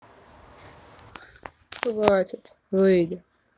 хватит выйди